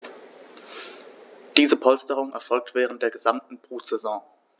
Diese Polsterung erfolgt während der gesamten Brutsaison.